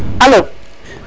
alo